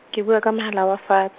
ke bua ka mohala wa fat-.